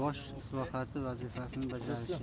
bosh islohotchi vazifasini bajarishi